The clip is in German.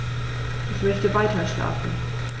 Ich möchte weiterschlafen.